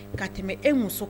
Ka tɛmɛ e muso